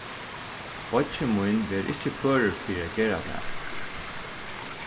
beiggi mín verður ikki førur fyri at gera tað